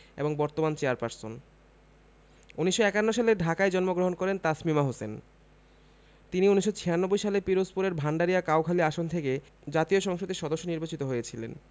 এবং বর্তমান চেয়ারপারসন ১৯৫১ সালে ঢাকায় জন্মগ্রহণ করেন তাসমিমা হোসেন তিনি ১৯৯৬ সালে পিরোজপুরের ভাণ্ডারিয়া কাউখালী আসন থেকে জাতীয় সংসদের সদস্য নির্বাচিত হয়েছিলেন